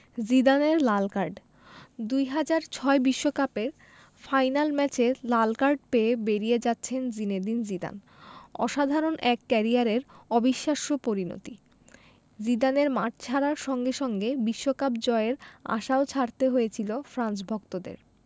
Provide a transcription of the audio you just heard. জিদানের লাল কার্ড ২০০৬ বিশ্বকাপের ফাইনাল ম্যাচে লাল কার্ড পেয়ে বেরিয়ে যাচ্ছেন জিনেদিন জিদান অসাধারণ এক ক্যারিয়ারের অবিশ্বাস্য পরিণতি জিদানের মাঠ ছাড়ার সঙ্গে সঙ্গে বিশ্বকাপ জয়ের আশাও ছাড়তে হয়েছিল ফ্রান্স ভক্তদের